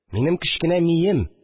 Минем кечкенә мием